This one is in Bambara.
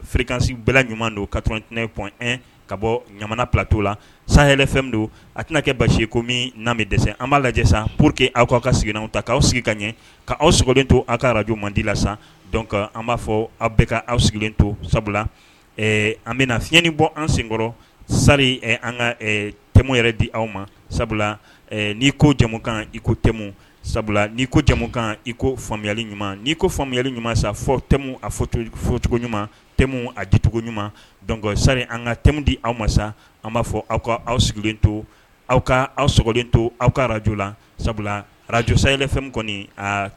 Kansi ɲuman ka ka bɔ la san don a tɛna kɛ basi ko na dɛsɛ an b'a lajɛ sisan pour que aw ka ka ta'aw sigi ka ɲɛ ka awden to aw ka arajodi la an b'a fɔ aw bɛ ka aw to sabula an bɛna fiɲɛani bɔ an senkɔrɔ sari an ka te yɛrɛ di aw ma sabula ni ko kan iko te sabula ni ko kan iko famiyali ɲumanuma ni ko faamuyamiyali ɲumanuma sa fɔ te acogo ɲuman te a dicogo ɲuman sari an ka te di aw ma sa an b'a fɔ aw ka aw sigilen to aw ka awden to aw ka arajo la sabula arajoyfɛn kɔni